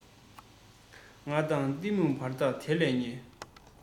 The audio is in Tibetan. ང དང གཏི མུག བར ཐག དེ ལས ཉེ